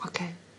Oce.